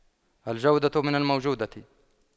الجودة من الموجودة